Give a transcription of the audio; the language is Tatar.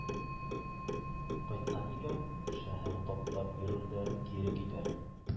Кайткан икән, шәһәр таптап йөрер дә кире китәр.